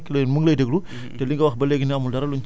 donc dana ko def mais pour te dire que nag lay mu ngi lay déglu